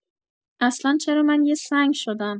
اصلا چرا من یه سنگ شدم؟!